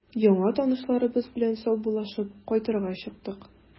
Яңа танышларыбыз белән саубуллашып, кайтырга чыктык.